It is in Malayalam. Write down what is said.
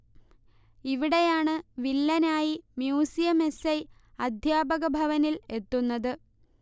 ഇവിടെയാണ് വില്ലനായി മ്യൂസിയം എസ്. ഐ അദ്ധ്യാപകഭവനിൽ എത്തുന്നത്